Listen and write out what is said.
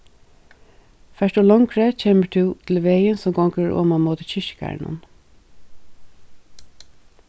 fert tú longri kemur tú til vegin sum gongur oman móti kirkjugarðinum